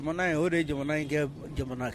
Maana in o de ye jamana in kɛ jamana ye.